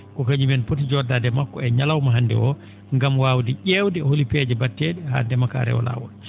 ko kañum en poti jo?odaade e makko e ñalawma hannde oo ngam waawde ?eewde holi peeje mbattee?e haa ndema kaa rewa laawol